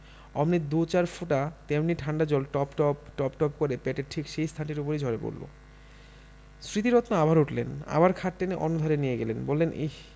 অমনি দু চার ফোঁটা তেমনি ঠাণ্ডা জল টপটপ টপটপ কর পেটের ঠিক সেই স্থানটির উপরেই ঝরে পড়ল স্মৃতিরত্ন আবার উঠলেন আবার খাট টেনে অন্যধারে নিয়ে গেলেন বললেন ইঃ